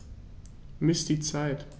Miss die Zeit.